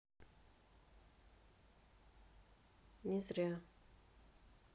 не зря